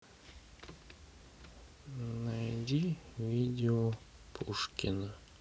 найди видео птушкина